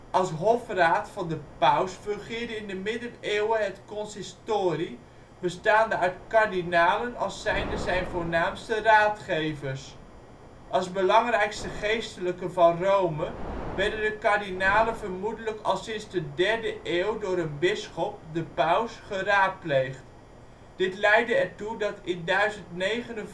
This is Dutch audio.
Als hofraad van de paus fungeerde in de Middeleeuwen het consistorie, bestaande uit kardinalen als zijnde zijn voornaamste raadgevers. Als belangrijkste geestelijken van Rome werden de kardinalen vermoedelijk al sinds de 3e eeuw door hun bisschop, de paus, geraadpleegd. Dit leidde ertoe dat in 1059